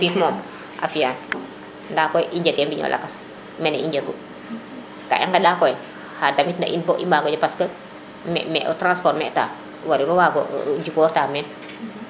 fiiq moom a fiyaan nda koy i njege mbiño lakas mene i njegu ka i ŋeɗa koy xa damit na in bo i mbago mbi parce que me me o transformer ta wariro wago jikkorta meen